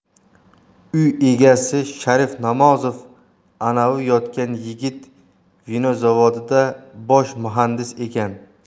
uy egasi sharif namozov anavi yotgan yigit vino zavodida bosh muhandis ekan